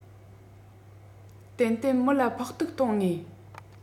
ཏན ཏན མི ལ ཕོག ཐུག གཏོང ངེས